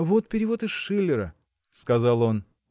– Вот перевод из Шиллера, – сказал он.